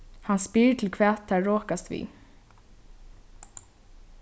hann spyr til hvat tær rokast við